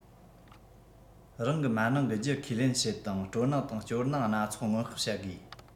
རང གི མ ནིང གི རྒྱུ ཁས ལེན བྱེད དང སྤྲོ སྣང དང སྐྱོ སྣང སྣ ཚོགས སྔོན དཔག བྱ དགོས